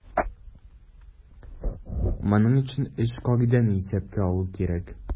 Моның өчен өч кагыйдәне исәпкә алу кирәк.